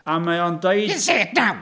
A mae o'n dweud... Just say it now!